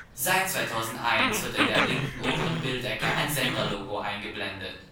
2001 wird in der linken oberen Bildecke ein Senderlogo eingeblendet